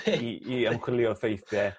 i.. ...i ymchwilio'r ffeithie